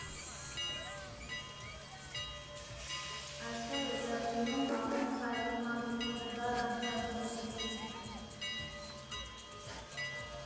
Այսօր էլ Բեռլինում ամեն քայլին հանդիպում ես դառը անցյալի հետքերին։